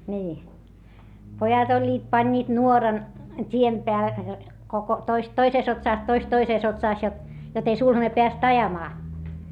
niin pojat olivat panivat nuoran tien - koko toista toisessa otsassa toista toisessa otsassa jotta jotta ei sulhanen päässyt ajamaan